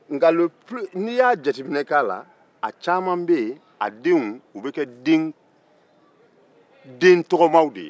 nka lepuli n'i ye jateminɛ k'a la a caman bɛ ye o denw u bɛ kɛ den tɔgɔmaw de ye